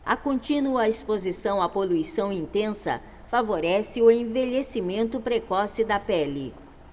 a contínua exposição à poluição intensa favorece o envelhecimento precoce da pele